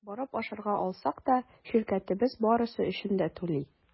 Барып ашарга алсак та – ширкәтебез барысы өчен дә түли.